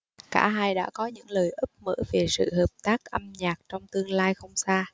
cả hai đã có những lời úp mở về sự hợp tác âm nhạc trong tương lai không xa